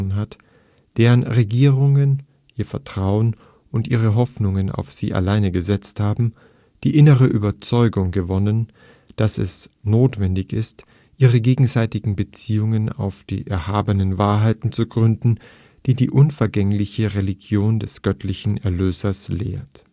hat, deren Regierungen ihr Vertrauen und ihre Hoffnungen auf sie allein gesetzt haben, die innere Überzeugung gewonnen, dass es notwendig ist, ihre gegenseitigen Beziehungen auf die erhabenen Wahrheiten zu begründen, die die unvergängliche Religion des göttlichen Erlösers lehrt